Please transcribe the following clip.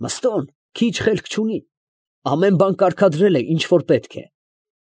Մըստոն քիչ խելք չունի, ամեն բան կարգադրել է, ինչ որ պետք է։